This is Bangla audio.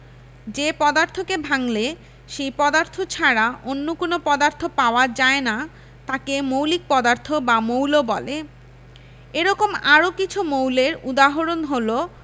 যে পদার্থকে ভাঙলে সেই পদার্থ ছাড়া অন্য কোনো পদার্থ পাওয়া যায় না তাকে মৌলিক পদার্থ বা মৌল বলে এরকম আরও কিছু মৌলের উদাহরণ হলো